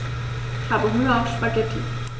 Ich habe Hunger auf Spaghetti.